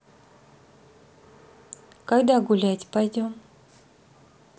когда гулять пойдем